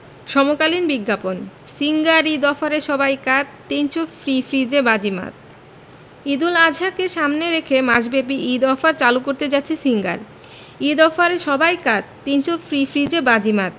সমকালীন বিজ্ঞাপন সিঙ্গার ঈদ অফারে সবাই কাত ৩০০ ফ্রি ফ্রিজে বাজিমাত ঈদুল আজহাকে সামনে রেখে মাসব্যাপী ঈদ অফার চালু করতে যাচ্ছে সিঙ্গার ঈদ অফারে সবাই কাত ৩০০ ফ্রি ফ্রিজে বাজিমাত